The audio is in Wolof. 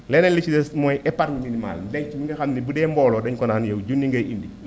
leneen li ci des mooy épârgne minimale ndenc mi nga xam ne bu dee mbooloo dañ ko naan yow junne ngay indi